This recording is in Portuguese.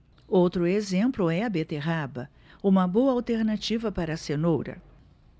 outro exemplo é a beterraba uma boa alternativa para a cenoura